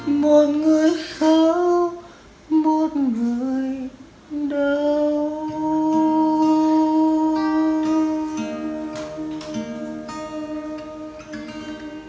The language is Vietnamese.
một người khóc một người đau